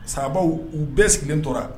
Sa u bɛɛ sigilen tora